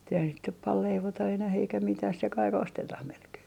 mutta eihän sitä nyt paljon leivota enää eikä mitään se kaikki ostetaan melkein